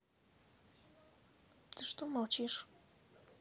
ты что молчишь